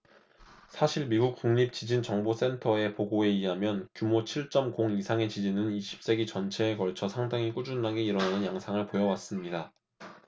사실 미국 국립 지진 정보 센터의 보고에 의하면 규모 칠 쩜 공 이상의 지진은 이십 세기 전체에 걸쳐 상당히 꾸준하게 일어나는 양상을 보여 왔습니다